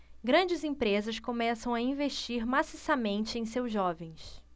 grandes empresas começam a investir maciçamente em seus jovens